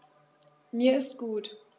Mir ist gut.